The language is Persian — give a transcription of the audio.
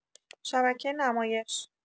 شبکه نمایش